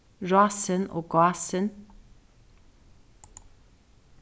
rásin og gásin